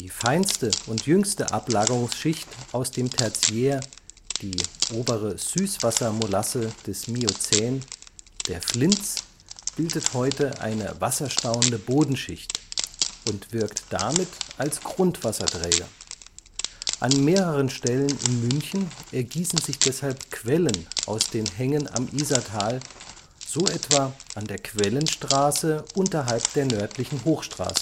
feinste und jüngste Ablagerungsschicht aus dem Tertiär (obere Süßwassermolasse des Miozän), der Flinz, bildet heute eine wasserstauende Bodenschicht, und wirkt damit als Grundwasserträger. An mehreren Stellen in München ergießen sich deshalb Quellen aus den Hängen am Isartal, so etwa an der Quellenstraße unterhalb der nördlichen Hochstraße